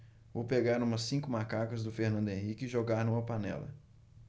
vou pegar umas cinco macacas do fernando henrique e jogar numa panela